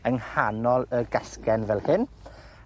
yng nghanol y gasgen fel hyn